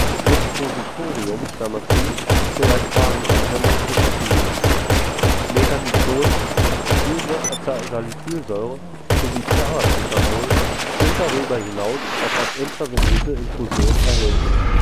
Suppositorium) zur rektalen Anwendung zur Verfügung. Metamizol, Acetylsalicylsäure sowie Paracetamol sind darüber hinaus auch als intravenöse Infusion erhältlich